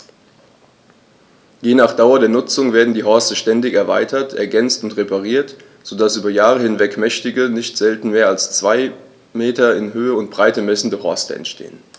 Je nach Dauer der Nutzung werden die Horste ständig erweitert, ergänzt und repariert, so dass über Jahre hinweg mächtige, nicht selten mehr als zwei Meter in Höhe und Breite messende Horste entstehen.